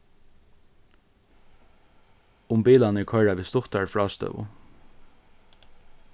um bilarnir koyra við stuttari frástøðu